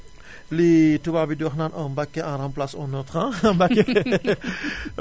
lii tubaab bi di wax naan un Mbacke en remplace un autre ha Mbacke